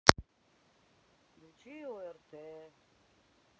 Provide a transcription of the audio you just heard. включи орт